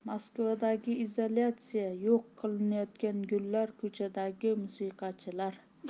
moskvadagi izolyatsiya yo'q qilinayotgan gullar ko'chadagi musiqachilar